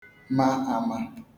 ma ama